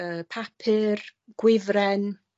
yy papur, gwifren,